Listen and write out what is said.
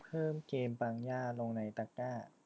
เพิ่มเกมปังย่าลงในตะกร้า